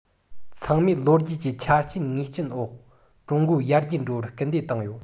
ཚང མས ལོ རྒྱུས ཀྱི ཆ རྐྱེན ངེས ཅན འོག ཀྲུང གོ ཡར རྒྱས འགྲོ བར སྐུལ འདེད བཏང ཡོད